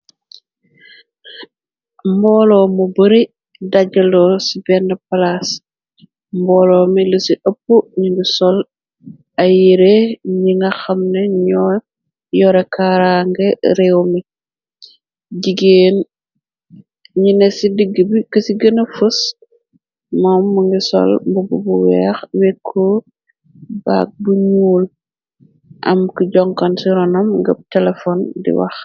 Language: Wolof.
mbooloo mu bari dajaloo ci benna palas mboolo mi lu ci ëpp ñu ngi sol ay yirèh ñi nga xam ne ñoo yoré Karangè réew mi jigéen ñine ci digg bi ki ci gëna fas mom mu ngi sol mbubu bu wèèx wekku bag bu ñuul am ki jonkon ci ronam gëpp telefon di wax.